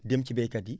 dem ci baykat yi